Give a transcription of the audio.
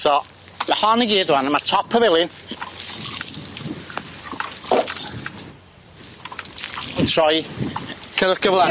So ma' hon i gyd wan a ma' top y felin yn troi cynnwch gyfla.